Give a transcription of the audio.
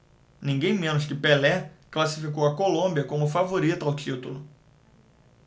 ninguém menos que pelé classificou a colômbia como favorita ao título